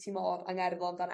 ti mor angerddol amdan...